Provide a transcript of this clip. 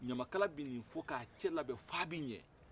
ɲamakala bɛ nin fɔ k'a cɛ labɛn f'a bɛ ɲɛ